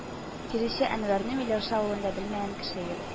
Тирече Әнвәрне Миләүшә авылында белмәгән кеше юк